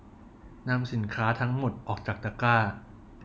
นำสินค้าทั้งหมดออกจากตะกร้า